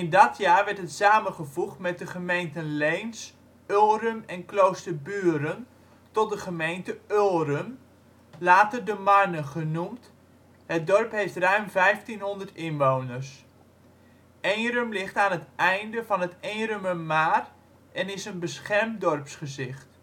dat jaar werd het samengevoegd met de gemeenten Leens, Ulrum en Kloosterburen tot de gemeente Ulrum, later De Marne genoemd. Het dorp heeft ruim 1.500 inwoners. Eenrum ligt aan het einde van het Eenrumermaar en is een beschermd dorpsgezicht